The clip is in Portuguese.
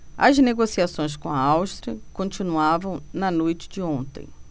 as negociações com a áustria continuavam na noite de ontem